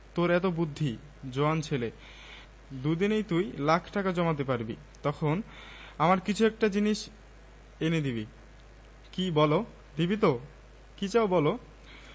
আমরা কিচ্ছু টের পেলাম না তোর বন্ধুরা খোঁজ করতে এসেছিলো বাদশা মৃদু মৃদু হাসে আবার তার স্বপ্নের ঘোর লাগে আবার সে রহস্যময় হয়ে উঠে